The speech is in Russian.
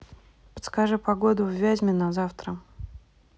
подскажи погоду в вязьме на завтра